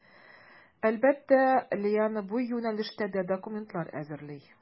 Әлбәттә, Лиана бу юнәлештә дә документлар әзерли.